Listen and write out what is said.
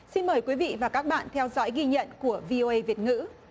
xin mời quý vị và các bạn theo dõi ghi nhận của vi ô ây việt ngữ